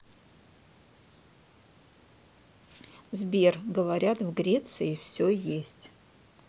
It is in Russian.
сбер говорят в греции все есть